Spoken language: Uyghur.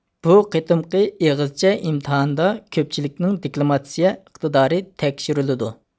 بۇ قېتىمقى ئېغىزچە ئىمتىھاندا كۆپچىلىكنىڭ دېكلاماتسىيە ئىقتىدارى تەكشۈرۈلىدۇ